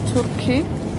Twrci.